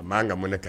B'an ka m kɛ